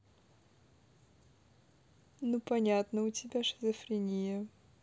ну понятно у тебя шизофрения